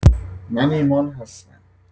من ایمان هستم.